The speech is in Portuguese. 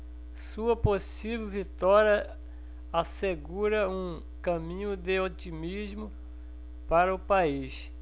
sua possível vitória assegura um caminho de otimismo para o país